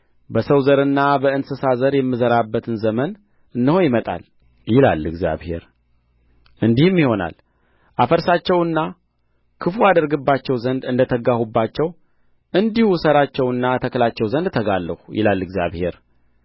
በሰው ዘርና በእንስሳ ዘር የምዘራበት ዘመን እነሆ ይመጣል ይላል እግዚአብሔር እንዲህም ይሆናል አፈርሳቸውና ክፉ አድርግባቸው ዘንድ እንደ ተጋሁባቸው እንዲሁ እሠራቸውና እተክላቸው ዘንድ እተጋለሁ ይላል እግዚአብሔር